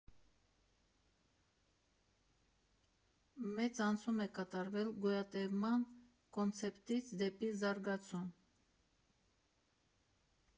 Մեծ անցում է կատարվել գոյատևման կոնցեպտից դեպի զարգացում։